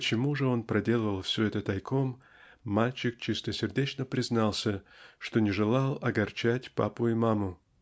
почему же он проделывал все это тайком мальчик чистосердечно признался что не желал огорчать папу и маму.